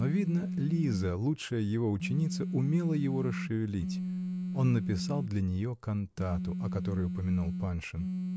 но, видно, Лиза, лучшая его ученица, умела его расшевелить: он написал для нее кантату, о которой упомянул Паншин.